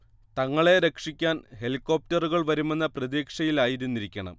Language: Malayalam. തങ്ങളെ രക്ഷിക്കാൻ ഹെലികോപ്റ്ററുകൾ വരുമെന്ന പ്രതീക്ഷയിലായിരുന്നിരിക്കണം